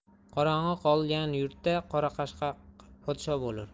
qorong'i qolgan yurtda qorashaqshaq podsho bo'lur